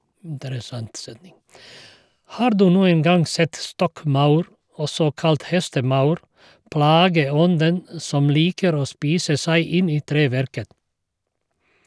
Har du noen gang sett stokkmaur, også kalt hestemaur, plageånden som liker å spise seg inn i treverket?